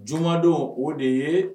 Juma don , o de ye